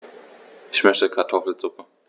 Ich möchte Kartoffelsuppe.